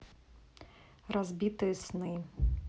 разбитые сны